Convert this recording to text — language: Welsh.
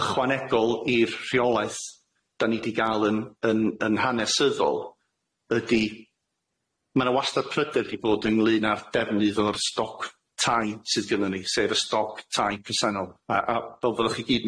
ychwanegol i'r rheolaeth da ni di ga'l yn yn yn hanesyddol ydi ma' na wastad pryder di bod ynglŷn a'r defnydd o'r stoc- tai sydd gynnon ni sef y stop tai presenol a a fel fyddwch chi gyd yn